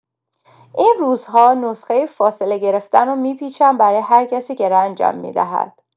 این روزها نسخه فاصله گرفتن را می‌پیچم برای هر کسی که رنجم می‌دهد.